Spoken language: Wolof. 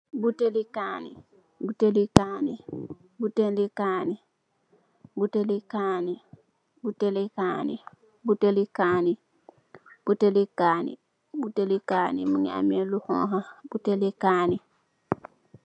Botale kani botale kani botale kani botale kani botale kani botale kani botale kani mogi ameh lu xonxa botle kani.